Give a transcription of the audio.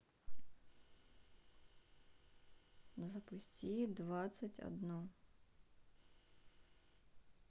запусти двадцать одно